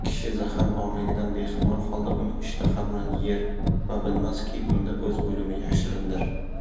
kishi zahar borligidan bexabar holda uni ishtaha bilan yer va bilmaski unda o'z o'limi yashirindir